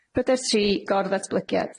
Pryder tri, gor-ddatblygiad.